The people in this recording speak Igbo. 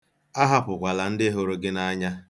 Ahapụkwala ndị hụrụ gị n'anya.